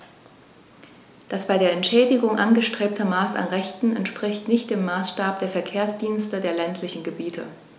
Das bei der Entschädigung angestrebte Maß an Rechten entspricht nicht dem Maßstab der Verkehrsdienste der ländlichen Gebiete.